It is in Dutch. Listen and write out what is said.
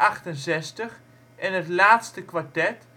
KV 168) en het laatste kwartet